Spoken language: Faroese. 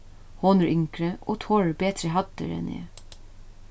hon er yngri og torir betri hæddir enn eg